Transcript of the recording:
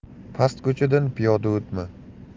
past ko'chadan piyoda o'tma